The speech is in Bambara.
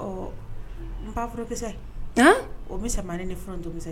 Ɔ nbaporopisɛ ann o misɛmani ni foronto misɛ